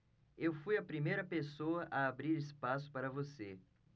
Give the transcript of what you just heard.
eu fui a primeira pessoa a abrir espaço para você